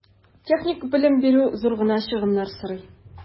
Техник белем бирү зур гына чыгымнар сорый.